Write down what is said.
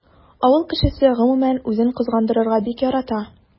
Авыл кешесе гомумән үзен кызгандырырга бик ярата.